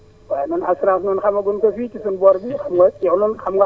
ablaye Deme mu ngi lay déglu bu fekkee am na loo ko siy laaj